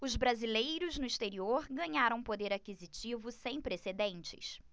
os brasileiros no exterior ganharam um poder aquisitivo sem precedentes